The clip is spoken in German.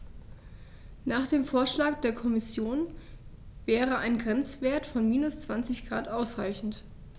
Nach dem Vorschlag der Kommission wäre ein Grenzwert von -20 ºC ausreichend.